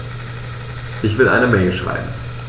Ich will eine Mail schreiben.